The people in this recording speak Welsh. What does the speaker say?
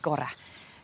gora.